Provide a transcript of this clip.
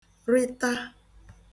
-rịta